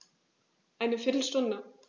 Eine viertel Stunde